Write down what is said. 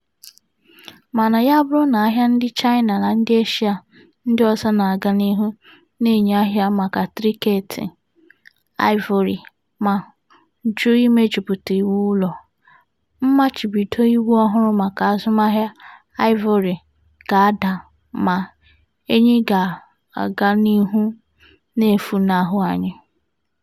Mana ya bụrụ na ahịa ndị China na ndị Asia ndị ọzọ na-aga n'ihu na-enye ahịa maka trịnkeeti aịvorị ma jụ imejupụta iwu ụlọ, mmachibido iwu ọhụrụ maka azụmahịa aịvorị ga-ada ma enyí ga-aga n'ihu na-efunahụ anyị.